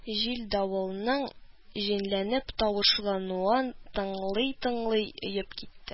Җил-давылның җенләнеп тавышлануын тыңлый-тыңлый оеп китте